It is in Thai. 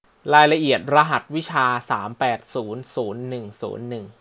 รายละเอียดรหัสวิชาสามแปดศูนย์ศูนย์หนึ่งศูนย์หนึ่ง